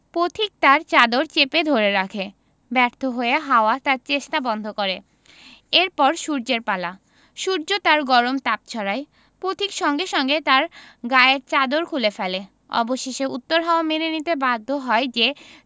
পথিক তার চাদর চেপে ধরে রাখে ব্যর্থ হয়ে হাওয়া তার চেষ্টা বন্ধ করে এর পর সূর্যের পালা সূর্য তার গরম তাপ ছড়ায় পথিক সঙ্গে সঙ্গে তার গায়ের চাদর খুলে ফেলে অবশেষে উত্তর হাওয়া মেনে নিতে বাধ্য হয় যে